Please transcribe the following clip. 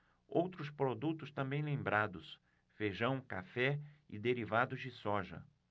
outros produtos também lembrados feijão café e derivados de soja